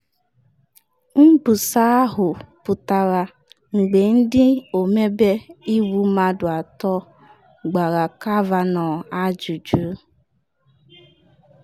Mbusa ahụ pụtara mgbe ndị ọmebe iwu mmadụ atọ gbara Kavanaugh ajụjụ.